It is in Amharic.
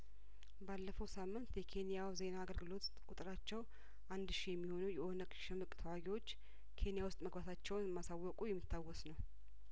ባለፈው ሳምንት የኬንያው ዜና አገልግሎት ቁጥራቸው አንድ ሺ የሚሆኑ የኦነግ ሽምቅ ተዋጊዎች ኬንያ ውስጥ መግባታቸውን ማሳወቁ የሚታወስ ነው